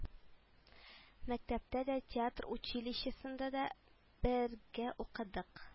Мәктәптә дә театр училищесында да бергә укыдык